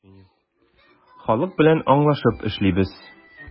Халык белән аңлашып эшлибез.